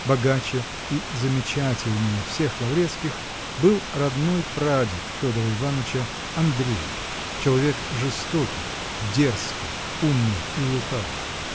Богаче и замечательнее всех Лаврецких был родной прадед Федора Иваныча, Андрей, человек жестокий, дерзкий, умный и лукавый.